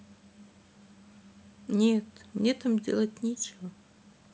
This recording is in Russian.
нет мне делать там нечего